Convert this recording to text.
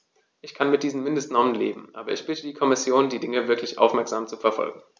Ich kann mit diesen Mindestnormen leben, aber ich bitte die Kommission, die Dinge wirklich aufmerksam zu verfolgen.